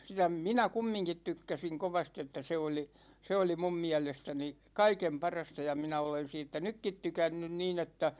sitä minä kumminkin tykkäsin kovasti että se oli se oli minun mielestäni kaiken parasta ja minä olen siitä nytkin tykännyt niin että